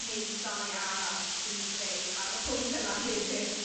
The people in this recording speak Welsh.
neu ddai arall i ni greu ar y pwnc yna hefyd.